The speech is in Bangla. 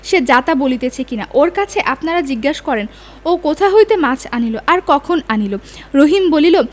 সে যাতা বলিতেছে কিনা ওর কাছে আপনারা জিজ্ঞাসা করেন ও কোথা হইতে মাছ আনিল আর কখন আনিল রহিম বলিল